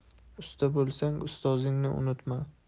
usta bo'lsang ustozingni unutma